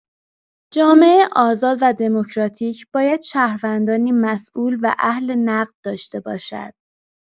جامعه آزاد و دموکراتیک باید شهروندانی مسئول و اهل نقد داشته باشد.